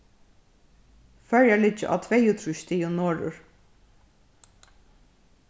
føroyar liggja á tveyogtrýss stigum norður